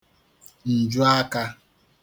ǹjuakā